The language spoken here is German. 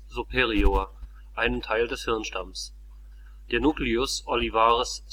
superior, einem Teil des Hirnstamms. Der Nucleus olivaris